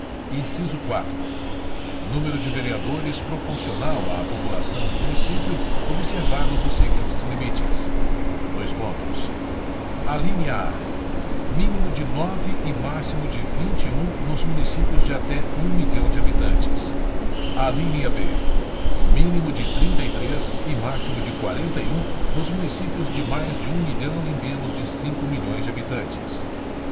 inciso quatro número de vereadores proporcional à população do município observados os seguintes limites dois pontos alínea a mínimo de nove e máximo de vinte e um nos municípios de até milhão de habitantes alínea b mínimo de trinta e três e máximo de quarenta e um nos municípios de mais de um milhão e menos de cinco milhões de habitantes